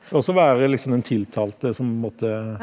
også være liksom den tiltalte som på en måte.